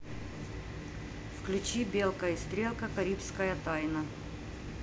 включи белка и стрелка карибская тайна